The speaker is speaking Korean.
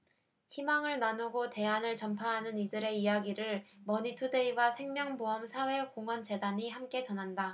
희망을 나누고 대안을 전파하는 이들의 이야기를 머니투데이와 생명보험사회공헌재단이 함께 전한다